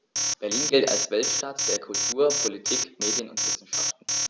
Berlin gilt als Weltstadt[9] der Kultur, Politik, Medien und Wissenschaften.